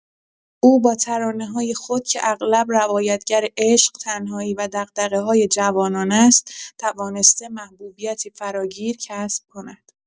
او با ترانه‌های خود که اغلب روایتگر عشق، تنهایی و دغدغه‌های جوانان است، توانسته محبوبیتی فراگیر کسب کند.